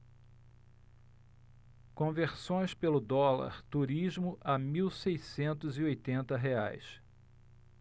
conversões pelo dólar turismo a mil seiscentos e oitenta reais